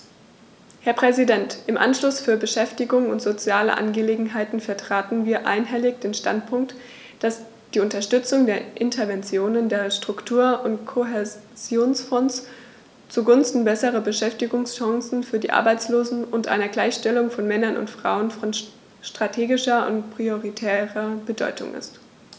Herr Präsident, im Ausschuss für Beschäftigung und soziale Angelegenheiten vertraten wir einhellig den Standpunkt, dass die Unterstützung der Interventionen der Struktur- und Kohäsionsfonds zugunsten besserer Beschäftigungschancen für die Arbeitslosen und einer Gleichstellung von Männern und Frauen von strategischer und prioritärer Bedeutung ist.